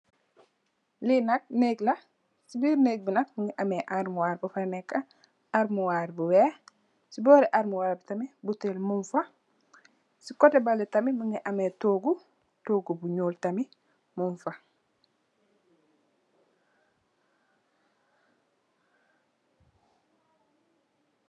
Lii nak nehgg la, cii birr nehgg bii nak mungy ameh armoire bufa neka, armoire bu wekh, cii bohri armoire bii tamit butehll mung fa, cii coteh behleh tamit mungy ameh tohgu, tohgu bu njull tamit mung fa.